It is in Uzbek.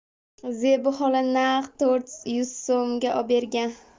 zebi xola naqd to'rt yuz so'mga obergan